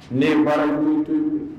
Ne baara